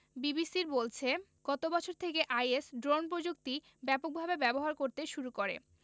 বিবিসির বলছে গত বছর থেকে আইএস ড্রোন প্রযুক্তি ব্যাপকভাবে ব্যবহার করতে শুরু করে